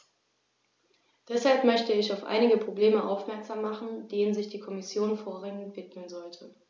Deshalb möchte ich auf einige Probleme aufmerksam machen, denen sich die Kommission vorrangig widmen sollte.